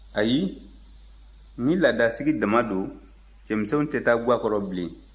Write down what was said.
ayi ni laadasigi dama don cɛmisɛnw tɛ taa ga kɔrɔ bilen